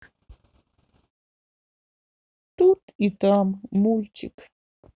тут и там мультик